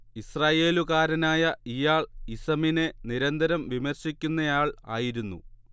ഇസ്രയേലുകാരനായ ഇയാൾ ഇസമിനെ നിരന്തരം വിമർശിക്കുന്നയാൾ ആയിരുന്നു